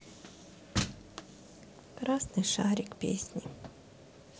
красный шарик песни